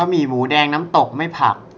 บะหมี่หมููแดงน้ำตกไม่ผัก